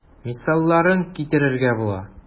Мисалларын китерергә була.